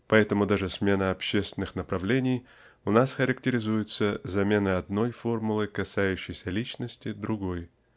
Поэтому даже смена общественных направлений у нас характеризуется заменой одной формулы касающейся личности другой.